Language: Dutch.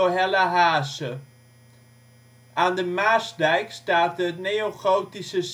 Hella Haasse. Aan de Maasdijk staat de neogotische